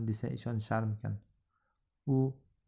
desa ishonisharmikan